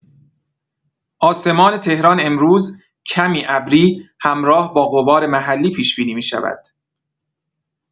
آسمان تهران امروز کمی ابری همراه با غبار محلی پیش‌بینی می‌شود.